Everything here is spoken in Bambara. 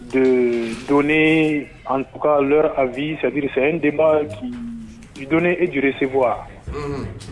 Don don ka v saduri de b'a bi i don e juru se wa